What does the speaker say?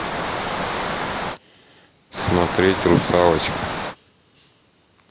смотреть русалочка